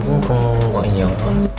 cũng không gọi nhiều